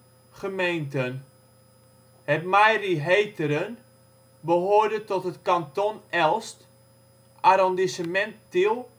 gemeenten). Het Mairie Heteren behoorde tot het canton Elst, arrondissement Tiel